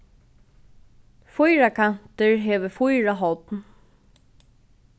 fýrakantur hevur fýra horn